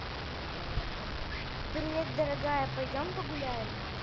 приветдорогая пойдем погуляем